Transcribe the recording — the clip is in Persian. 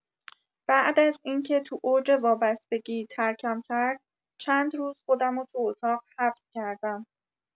بعد از اینکه تو اوج وابستگی، ترکم کرد، چندروز خودمو تو اتاق حبس کردم.